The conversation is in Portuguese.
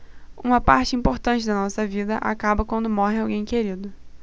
uma parte importante da nossa vida acaba quando morre alguém querido